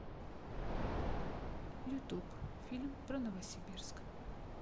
ютуб фильм про новосибирск